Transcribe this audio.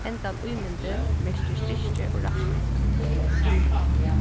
hendan ímyndin merkir styrki og rættvísi